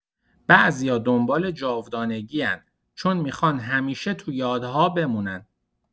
بعضیا دنبال جاودانگی‌ان، چون می‌خوان همیشه تو یادها بمونن.